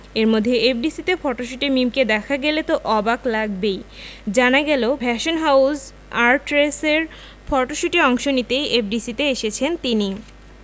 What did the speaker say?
এরমধ্যে এফডিসিতে ফটোশুটে মিমকে দেখা গেল তো অবাক লাগবেই জানা গেল ফ্যাশন হাউজ আর্টরেসের ফটশুটে অংশ নিতেই এফডিসিতে এসেছেন তিনি